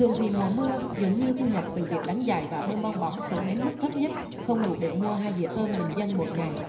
thường thì mùa mưa dường như thu nhập từ việc đánh dài và bơm bong bóng xuống đến mức thấp nhất không đủ để mua hai dĩa cơm bình dân mỗi ngày